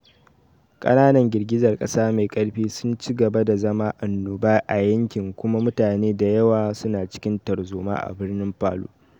Kananan girgizar kasa mai karfi sun ci gaba da zama annoba a yankin kuma mutane da yawa su na cikin tarzoma a birnin Palu.